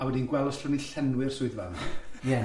...a wedi'n gweld os allwn ni llenwi'r swyddfa ma. Ie.